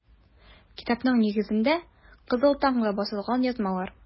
Китапның нигезендә - “Кызыл таң”да басылган язмалар.